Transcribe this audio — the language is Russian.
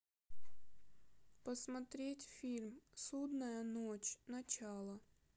посмотреть фильм судная ночь начало